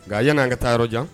Nka yɛlɛ n'an ka taa yɔrɔ jan